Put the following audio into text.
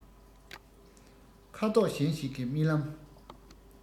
ཁ དོག གཞན ཞིག གི རྨི ལམ